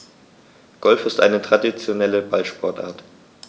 Golf ist eine traditionelle Ballsportart.